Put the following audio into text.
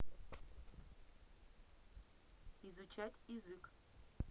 изучать язык